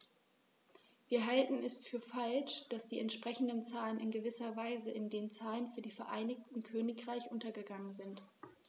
Wir halten es für falsch, dass die entsprechenden Zahlen in gewisser Weise in den Zahlen für das Vereinigte Königreich untergegangen sind.